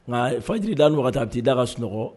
Nka faji da mɔgɔ taapi'i da ka sunɔgɔ